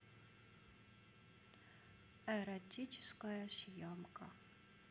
эротическая съемка